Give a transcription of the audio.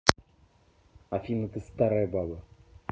афина ты старая баба